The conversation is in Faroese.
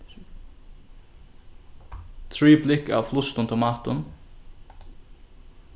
trý blikk av flustum tomatum